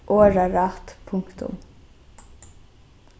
orðarætt punktum